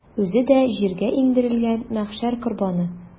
Үзе дә җиргә иңдерелгән мәхшәр корбаны.